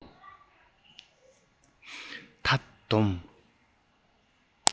མཐའ བསྡོམས